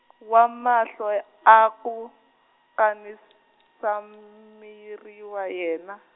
wa mahlo j- a ku nkhinsameriwa yena.